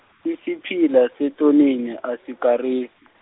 isipila setonini asikarisi.